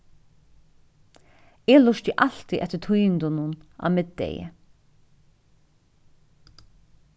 eg lurti altíð eftir tíðindunum á middegi